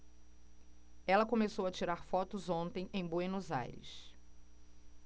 ela começou a tirar fotos ontem em buenos aires